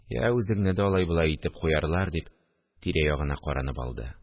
Йә, үзеңне дә алай-болай итеп куярлар! – дип, тирә-ягына каранып алды